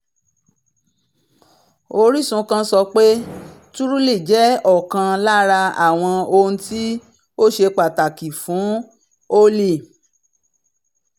Orísun kan sọ pé: Truly jẹ ọkan lára àwòn ohun ti óṣe Pàtàkì fún Holly.